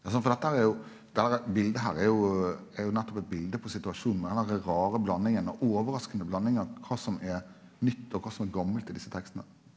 ja sant for dette her er jo det herre bildet her er jo er jo nettopp eit bilde på situasjonen med den her rare blandinga og overraskande blandinga av kva som er nytt og kva som er gammalt i desse tekstane.